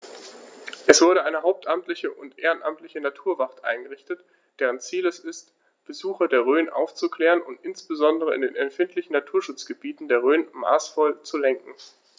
Es wurde eine hauptamtliche und ehrenamtliche Naturwacht eingerichtet, deren Ziel es ist, Besucher der Rhön aufzuklären und insbesondere in den empfindlichen Naturschutzgebieten der Rhön maßvoll zu lenken.